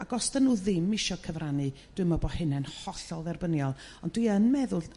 Ac os 'dyn nhw ddim isio cyfrannu dw i'n m'wl bo' hynna'n hollol dderbyniol ond dwi yn meddwl...